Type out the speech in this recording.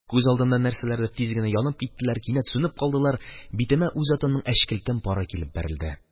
Күз алдымда нәрсәләрдер тиз генә яктырып киттеләр, кинәт сүнеп калдылар, битемә үз атымның әчкелтем пары килеп бәрелде